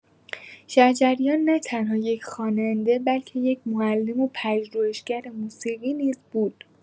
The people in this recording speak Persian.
شجریان نه‌تنها یک خواننده، بلکه یک معلم و پژوهشگر موسیقی نیز بود.